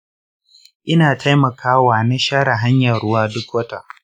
ina taimakawa na share hanyar ruwa duk wata.